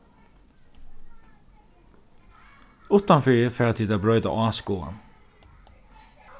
uttanfyri fara tit at broyta áskoðan